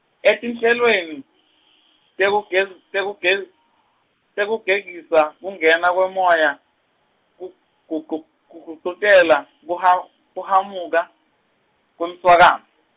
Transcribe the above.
etinhlelweni tekukes- tekuge- tekugegisa kungena kwemoya ku kugcu- kugcugcutela kuha- kuhamuka kwemswakamo.